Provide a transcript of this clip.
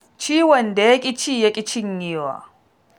Ciwon da ya-ƙi-ci-ya-ƙi-cinyewa